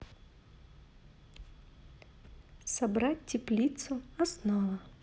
собрать теплицу основа